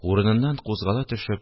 Урыныннан кузгала төшеп